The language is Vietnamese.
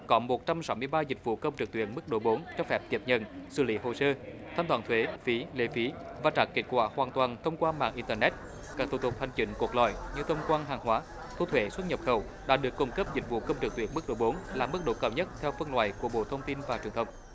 có một trăm sáu mươi ba dịch vụ công trực tuyến mức độ bốn cho phép tiếp nhận xử lý hồ sơ thanh toán thuế phí lệ phí và trả kết quả hoàn toàn thông qua mạng in tơ nét các thủ tục hành chính cốt lõi như thông quan hàng hóa thu thuế xuất nhập khẩu đã được cung cấp dịch vụ công trực tuyến mức độ bốn là mức độ cao nhất theo phân loài của bộ thông tin và truyền thông